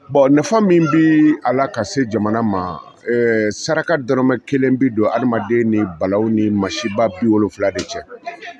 Bon min bɛ ala ka se jamana ma saraka dɔrɔnɔrɔmɛ kelen bɛ don adamaden ni bala ni masiba bi wolofila de cɛ